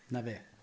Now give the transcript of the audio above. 'Na fe.